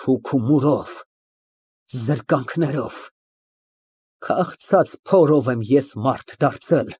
Թուք ու մուրով, զրկանքներով, քաղցած փորով եմ ես մարդ դարձել։